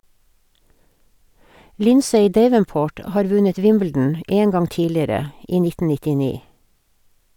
Lindsay Davenport har vunnet Wimbledon en gang tidligere - i 1999.